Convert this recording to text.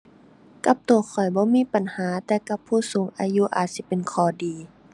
กับตัวข้อยบ่มีปัญหา แต่กับผู้สูงอายุอาจสิเป็นข้อดี